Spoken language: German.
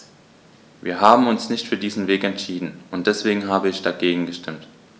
Wir haben uns nicht für diesen Weg entschieden, und deswegen habe ich dagegen gestimmt.